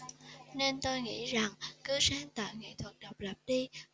nên tôi nghĩ rằng cứ sáng tạo nghệ thuật độc lập đi